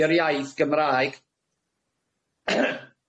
i'r iaith Gymraeg.